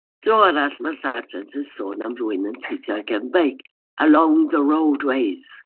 Dro arall ma'r sargeant yn sôn am rywun yn teithio ar gefn beic "along the roadways".